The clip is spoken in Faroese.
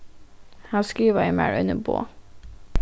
hann skrivaði mær eini boð